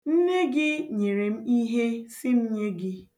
Nne gị nyere m ihe sị m nye gị.